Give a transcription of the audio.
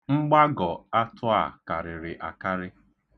Mgbagọ atụ a karịrị akarị.